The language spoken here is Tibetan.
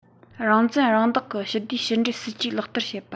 རང བཙན རང བདག གི ཞི བདེའི ཕྱི འབྲེལ སྲིད ཇུས ལག བསྟར བྱེད པ